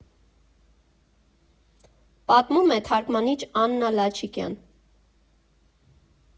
Պատմում է թարգմանիչ Աննա Լաչիկյան։